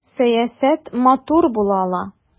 Сәясәт матур була ала!